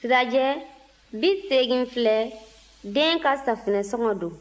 sirajɛ bi seegin filɛ den ka safunɛsɔngɔ don